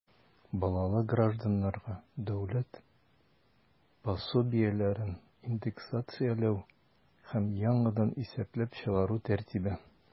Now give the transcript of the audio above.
Балалы гражданнарга дәүләт пособиеләрен индексацияләү һәм яңадан исәпләп чыгару тәртибе.